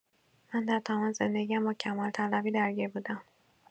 من در تمام زندگی‌ام با کمال‌طلیی درگیر بوده‌ام.